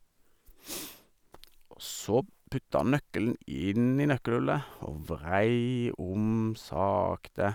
Og så putta han nøkkelen inn i nøkkelhullet og vrei om sakte.